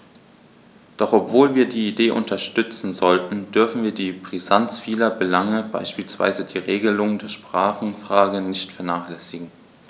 Doch obwohl wir die Idee unterstützen sollten, dürfen wir die Brisanz vieler Belange, beispielsweise die Regelung der Sprachenfrage, nicht vernachlässigen.